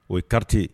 O ye karite